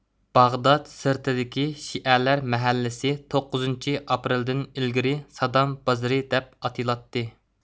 باغداد سىرتىدىكى شىئەلەر مەھەللىسى توققۇزىنچى ئاپرېلدىن ئىلگىرى سادام بازىرى دەپ ئاتىلاتتى